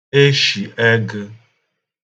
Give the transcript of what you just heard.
eshì ẹgə̣